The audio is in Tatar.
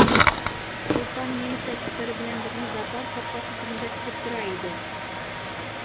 Солтан немец офицеры белән безне зоопарк капкасы төбендә көтеп тора иде.